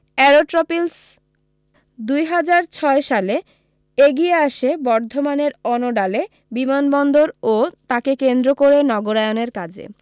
এরোট্রপিলস দু হাজার ছয় সালে এগিয়ে আসে বর্ধমানের অণডালে বিমানবন্দর ও তাকে কেন্দ্র করে নগরায়নের কাজে